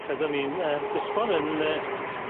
Roeddwn i'n yym blismon yn yy...